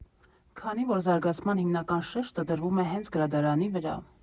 Քանի որ զարգացման հիմնական շեշտը դրվում է հենց գրադարանի վրա։